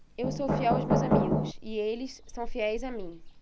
eu sou fiel aos meus amigos e eles são fiéis a mim